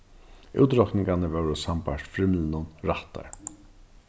útrokningarnar vóru sambært frymlinum rættar